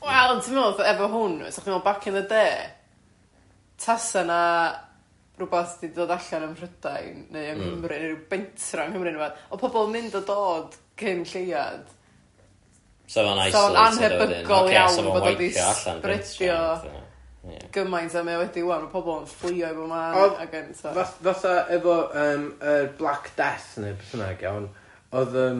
Wel ti'n meddwl efo hwn fysa chdi'n meddwl back in the day tasa 'na rwbath wedi dod allan ym Mhrydain neu yng Nghymru neu ryw bentra yng Nghymru neu 'wbath oedd pobol yn mynd a dod cyn lleiad 'sa fo'n anhebygol iawn bod o wedi sbredio gymaint a mae wedi ŵan, ma' pobol yn fflio i bob man ag yn ti'bod... Fatha efo yym yr Black Death neu beth bynnag iawn oedd yym,